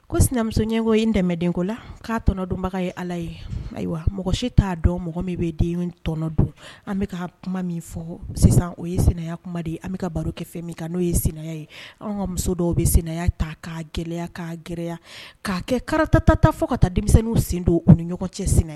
Ko sinamuso ɲɛkɔ in dɛmɛdenko la k'a tɔnɔdonbaga ye ala ye ayiwa mɔgɔ si t'a dɔn mɔgɔ min bɛ den tɔɔnɔ don an bɛ ka kuma min fɔ sisan o ye senya kuma de ye an bɛ ka baro kɛ fɛn min kan n'o ye sen ye an ka muso dɔw bɛ senya ta kaa gɛlɛyaya' gɛlɛyaya k'a kɛ karatatatata fɔ ka taa denmisɛnninw sen don u ni ɲɔgɔn cɛ sen ye